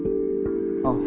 ồ